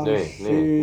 niin niin